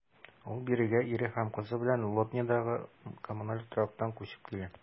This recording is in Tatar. Ул бирегә ире һәм кызы белән Лобнядагы коммуналь торактан күчеп килә.